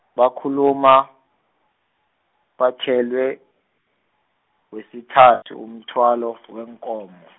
bakhuluma, bathwele wesithathu umthwalo, weenkomo.